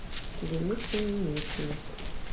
денис семенихин